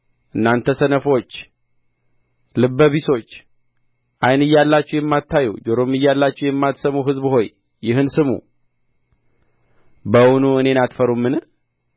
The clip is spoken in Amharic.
እናንተ ሰነፎች ልበ ቢሶች ዓይን እያላችሁ የማታዩ ጆሮም እያላችሁ የማትሰሙ ሕዝብ ሆይ ይህን ስሙ በውኑ እኔን አትፈሩምን